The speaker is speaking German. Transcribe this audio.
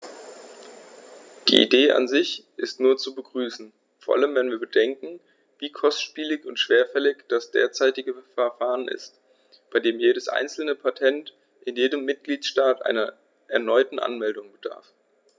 Die Idee an sich ist nur zu begrüßen, vor allem wenn wir bedenken, wie kostspielig und schwerfällig das derzeitige Verfahren ist, bei dem jedes einzelne Patent in jedem Mitgliedstaat einer erneuten Anmeldung bedarf.